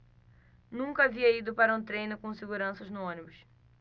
nunca havia ido para um treino com seguranças no ônibus